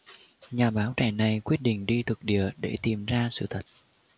nhà báo trẻ này quyết định đi thực địa để tìm ra sự thật